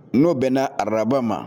N'o bɛnna araba ma